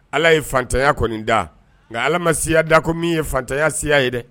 Ala ye fatanya kɔni da nka ala ma siya dako min ye fatanya siya ye dɛ